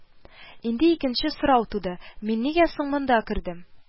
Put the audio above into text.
Инде икенче сорау туды: «Мин нигә соң монда кердем